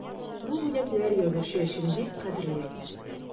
Бу бүләкләр язучы өчен бик кадерле.